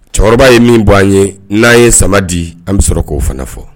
Cɛkɔrɔba ye min bɔ an ye, n'an ye sama di an bɛ sɔrɔ k'o fana fɔ.